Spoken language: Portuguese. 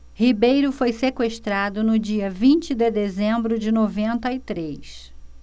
ribeiro foi sequestrado no dia vinte de dezembro de noventa e três